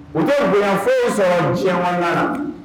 U tɛ bilafɔ sɔrɔ tiɲɛ na